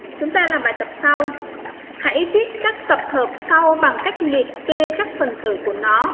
chúng ta làm bài tập sau hãy viết các tập hợp sau bằng cách liệt kê các phần tử của nó